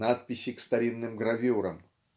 -- надписи к старинным гравюрам